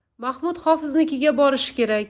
mahmud hofiznikiga borishi kerak